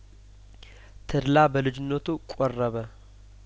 ተድላ በልጅነቱ ቆረበ